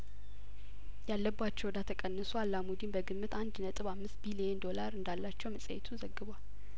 ያለባቸው እዳ ተቀንሶ አላሙዲን በግምት አንድ ነጥብ አምስት ቢሊየን ዶላር እንዳላቸው መጽሄቱ ዘግቧል